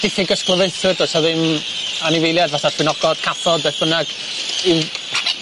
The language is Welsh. diffyg ysglyfaethwyr does a ddim anifeiliaid fatha'r llwynogod cathod beth bynnag i'w .